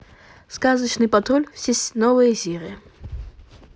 сказочный патруль все новые серии